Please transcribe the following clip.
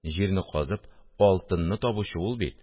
Җирне казып, алтынны табучы ул бит